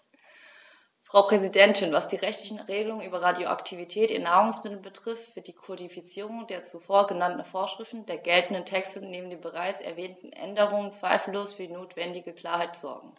Frau Präsidentin, was die rechtlichen Regelungen über Radioaktivität in Nahrungsmitteln betrifft, wird die Kodifizierung der zuvor genannten Vorschriften der geltenden Texte neben den bereits erwähnten Änderungen zweifellos für die notwendige Klarheit sorgen.